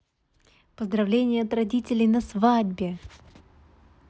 поздравление от родителей на свадьбе